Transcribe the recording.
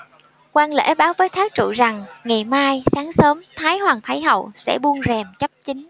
quan lễ báo với thác trụ rằng ngày mai sáng sớm thái hoàng thái hậu sẽ buông rèm chấp chính